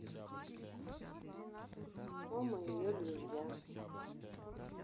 том и ее друзья